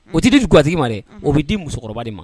O tɛ di gatigi ma dɛ o bɛ di musokɔrɔba de ma